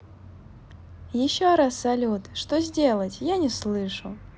еще раз салют что сделать я не слышу